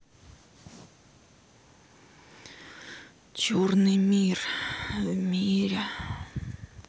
черный мир в мире